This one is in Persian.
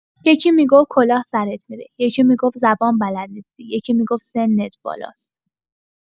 یکی می‌گفت کلاه سرت می‌ره، یکی می‌گفت زبان بلد نیستی، یکی می‌گفت سنت بالاست.